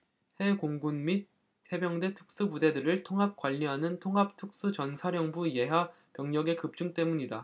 해 공군및 해병대 특수부대들을 통합 관리하는 통합특수전사령부 예하 병력의 급증 때문이다